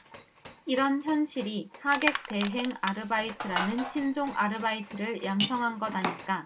이런 현실이 하객 대행 아르바이트라는 신종 아르바이트를 양성한 것은 아닐까